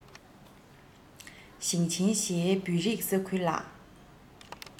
ཞིང ཆེན བཞིའི བོད རིགས ས ཁུལ ལ